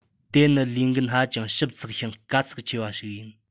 དེ ནི ལས འགན ཧ ཅང ཞིབ ཚགས ཤིང དཀའ ཚེགས ཆེ བ ཞིག ཡིན